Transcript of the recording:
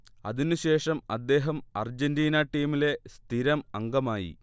അതിനുശേഷം അദ്ദേഹം അർജന്റീന ടീമിലെ സ്ഥിരം അംഗമായി